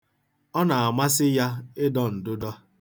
Ọ na-amasị ya ịdọ ndụdọ.